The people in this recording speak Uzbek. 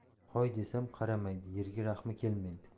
hoy desam qaramaydi yerga rahmi kelmaydi